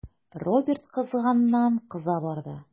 Роберт кызганнан-кыза барды.